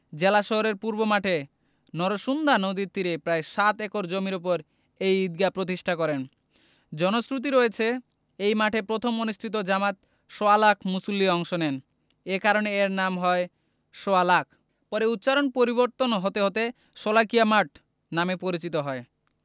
জেলা শহরের পূর্ব পাশে নরসুন্দা নদীর তীরে প্রায় সাত একর জমির ওপর এই ঈদগাহ প্রতিষ্ঠা করেন জনশ্রুতি রয়েছে এই মাঠে প্রথম অনুষ্ঠিত জামাতে সোয়া লাখ মুসল্লি অংশ নেন এ কারণে এর নাম হয় সোয়া লা খ পরে উচ্চারণ পরিবর্তন হতে হতে শোলাকিয়া মাঠ নামে পরিচিতি পায়